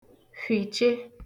fhìche